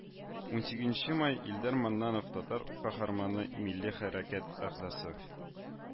Унсигезенче май илдар маннанов, татар каһарманы, милли хәрәкәт әгъзасы